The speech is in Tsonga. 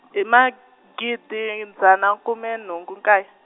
hi magidi yi dzana kume nhugu nkaye.